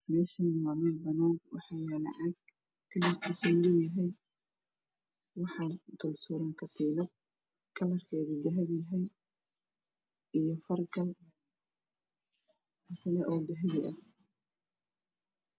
Meeshaani waa meel banaan waxaa yaalo caag kalarkiisa madow yahay waxaana dul suran katiinad kalekeedu dahabi yahay fargal isna dahabi ah